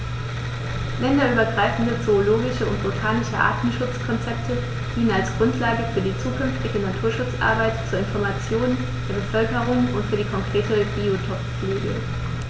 Länderübergreifende zoologische und botanische Artenschutzkonzepte dienen als Grundlage für die zukünftige Naturschutzarbeit, zur Information der Bevölkerung und für die konkrete Biotoppflege.